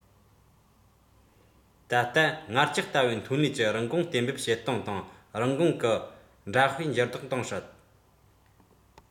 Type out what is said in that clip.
ད ལྟ ངར ལྕགས ལྟ བུའི ཐོན ལས ཀྱི རིན གོང གཏན འབེབས བྱེད སྟངས དང རིན གོང གི འདྲ དཔེ འགྱུར ལྡོག གཏོང སྲིད